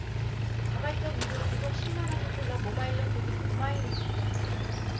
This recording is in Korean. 자발적 유료 구독 십 만인클럽 모바일로 즐기는 오마이뉴스